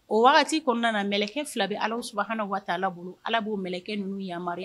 O wagati kɔnɔna la mɛlɛkɛ fila bɛ Alahu Subahanahu wataala bolo Ala b'o mɛlɛkɛ ninnu yamaruya